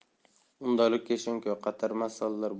unda lukashenko qator masalalar